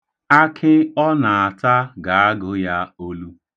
Akị ọ na-ata ga-agụ ya olu.